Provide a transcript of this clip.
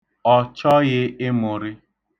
Ọ chọghị ịmụrị.